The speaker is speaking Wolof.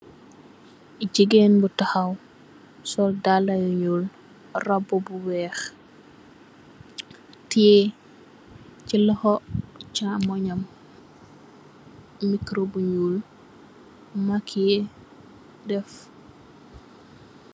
Jegain bu tahaw sol dalla yu nuul roubu bu weex teyeh se lohou chamunyam meicro bu nuul makeye def.